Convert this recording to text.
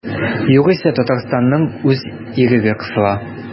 Югыйсә Татарстанның үз иреге кысыла.